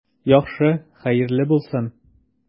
Яхшы, хәерле булсын.